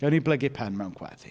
Gawn ni blygu pen mewn gweddi.